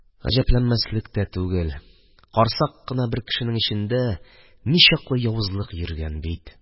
Гаҗәпләнмәслек тә түгел, карсак кына бер кешенең эчендә ничаклы явызлык йөргән бит!